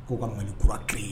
K'o ka ni kura kelen ye